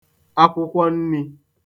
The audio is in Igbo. akwụkwọ nnī